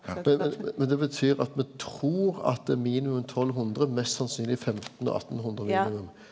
men men det betyr at me trur at det er minimum 1200 mest sannsynleg 15 og 1800 .